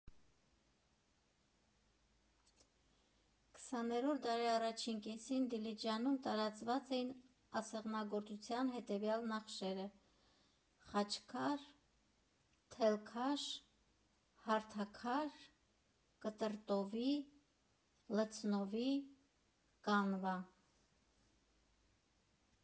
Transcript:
Քսաներորդ դարի առաջին կեսին Դիլիջանում տարածված էին ասեղնագործության հետևյալ նախշերը՝ «խաչկար», «թելքաշ», «հարթակար», «կտրտովի», «լցնովի», «կանվա»։